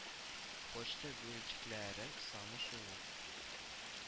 Почта бүлекчәләре саны шул ук